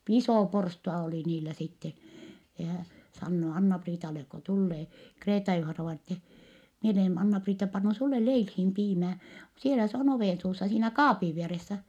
iso porstua oli niillä sitten ja hän sanoo Anna-Priitalle kun tulee Kreeta-Juhanna-vainaja että minä olen Anna-Priitta pannut sinulle leiliin piimää siellä se on ovensuussa siinä kaapin vieressä